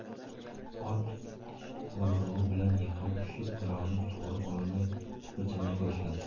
ot o'mrovi bilan yiqilib tushib oyog'ini sug'urib ololmay tipirchilay boshladi